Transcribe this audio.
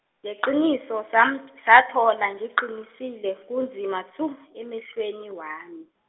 ngeqiniso samtho- sathola, ngiqinisile, kunzima tshu, emehlweni wami.